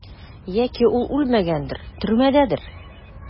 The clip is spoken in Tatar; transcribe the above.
Яки ул үлмәгәндер, төрмәдәдер?